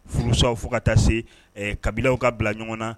Furumosayaw fo ka taa se ɛɛ kabilaw ka bila ɲɔŋɔn na